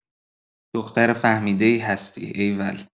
دختر فهمیده‌ای هستی، ایول!